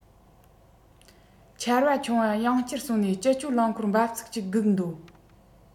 ཆར པ ཆུང བ ཡང བསྐྱར སོང ནས སྤྱི སྤྱོད རླངས འཁོར འབབ ཚུགས གཅིག སྒུག འདོད